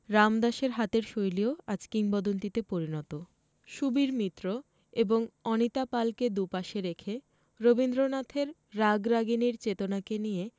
রামদাসের হাতের শৈলীও আজ কিংবদন্তিতে পরিণত সুবীর মিত্র এবং অনিতা পালকে দুপাশে নিয়ে রবীন্দ্রনাথের রাগরাগিণীর চেতনাকে নিয়ে